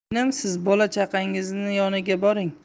inim siz bola chaqangizning yoniga boring